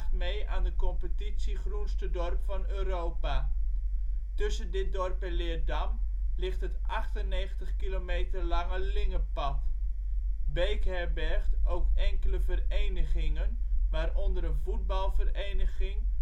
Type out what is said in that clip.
mee aan de competitie groenste dorp van Europa. Tussen dit dorp en Leerdam ligt het 98 kilometer lange Lingepad. Beek herbergt ook enkele verenigingen, waaronder een voetbalvereniging